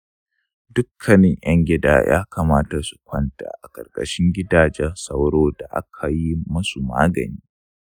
dukkan ‘yan gida ya kamata su kwana a ƙarƙashin gidajen sauro da aka yi musu magani.